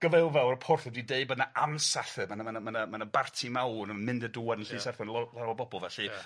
Gyfaelfawr y porthor 'di deud bod 'na ansathr ma' na ma' na ma' na ma' na barti mawr yn mynd a dŵad yn llys Arthur law- lawer o bobl felly . Ia.